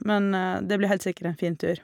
Men det blir heilt sikkert en fin tur.